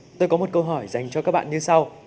tôi có một câu hỏi dành cho các bạn như sau